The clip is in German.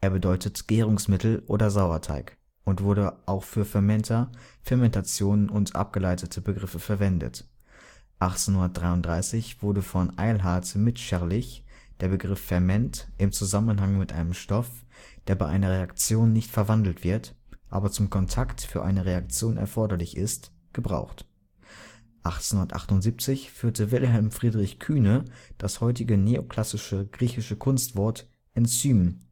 bedeutet „ Gärungsmittel “oder „ Sauerteig “und wurde auch für Fermenter, Fermentation und abgeleitete Begriffe verwendet. 1833 wurde von Eilhard Mitscherlich der Begriff Ferment im Zusammenhang mit einem Stoff, der bei einer Reaktion nicht verwandelt wird - aber zum Kontakt für eine Reaktion erforderlich ist -, gebraucht. 1878 führte Wilhelm Friedrich Kühne das heutige neoklassische griechische Kunstwort Enzym